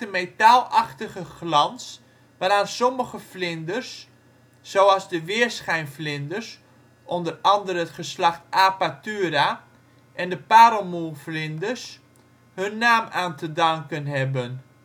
metaalachtige glans waaraan sommige vlinders zoals de weerschijnvlinders (onder andere geslacht Apatura) en de parelmoervlinders hun naam aan te danken hebben